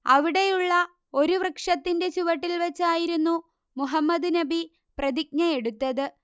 അവിടെയുള്ള ഒരു വൃക്ഷത്തിന്റെ ചുവട്ടിൽ വെച്ചായിരുന്നു മുഹമ്മദ് നബി പ്രതിജ്ഞയെടുത്തത്